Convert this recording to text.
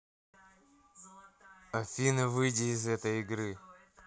афина выйди из этой игры